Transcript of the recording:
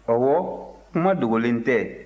ɔwɔ kuma dogolen tɛ